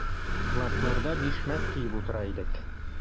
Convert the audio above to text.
Классларда бишмәт киеп утыра идек.